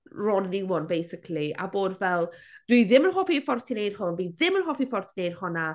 Ron a new one basically, a bod fel "Dwi ddim yn hoffi'r ffordd ti'n wneud hwn. Dwi ddim yn hoffi'r ffordd ti'n wneud hwnna."